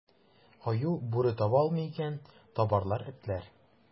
Аю, бүре таба алмый икән, табарлар этләр.